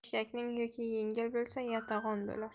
eshakning yuki yengil bo'lsa yotag'on bo'lar